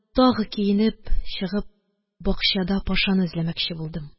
Тагы киенеп чыгып бакчада пашаны эзләмәкче булдым